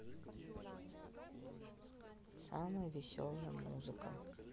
самая веселая музыка